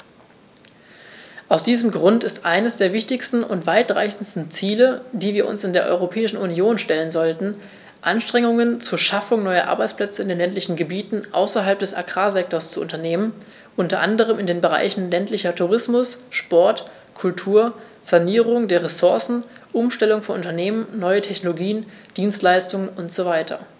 Aus diesem Grund ist es eines der wichtigsten und weitreichendsten Ziele, die wir uns in der Europäischen Union stellen sollten, Anstrengungen zur Schaffung neuer Arbeitsplätze in den ländlichen Gebieten außerhalb des Agrarsektors zu unternehmen, unter anderem in den Bereichen ländlicher Tourismus, Sport, Kultur, Sanierung der Ressourcen, Umstellung von Unternehmen, neue Technologien, Dienstleistungen usw.